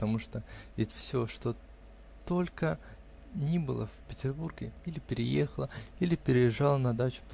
потому что ведь всё, что только ни было в Петербурге, или переехало, или переезжало на дачу